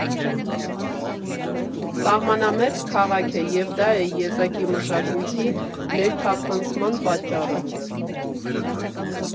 Սահմանամերձ քաղաք է և դա է եզակի մշակույթի ներթափանցման պատճառը։